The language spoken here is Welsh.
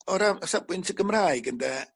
o ra- o safbwynt y Gymraeg ynde